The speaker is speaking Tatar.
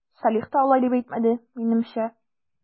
Салих та алай дип әйтмәде, минемчә...